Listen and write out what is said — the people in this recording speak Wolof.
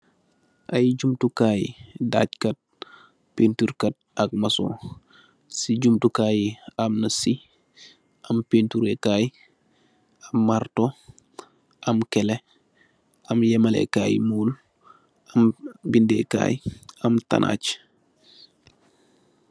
Ay jumtukai daag kat painturr kat ak masoon si juntuwayi amna si ab painturreh kai marto am kele am yemalekai mool am bende kai am kanag.